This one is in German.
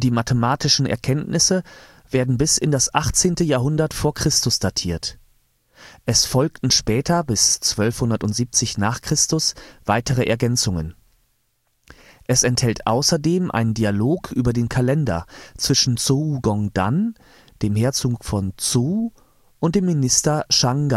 mathematischen Erkenntnisse werden bis in das 18. Jahrhundert v. Chr. datiert. Es folgten später bis 1270 n. Chr. weitere Ergänzungen. Es enthält außerdem einen Dialog über den Kalender zwischen Zhou Gong Dan, dem Herzog von Zhou, und dem Minister Shang